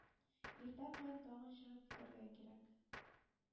Иртә белән тагын чыгып китәргә кирәк.